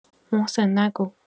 محسن نگو